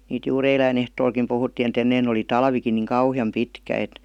niitä juuri eilen ehtoollakin puhuttiin että ennen oli talvikin niin kauhean pitkä että